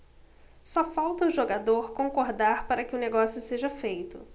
só falta o jogador concordar para que o negócio seja feito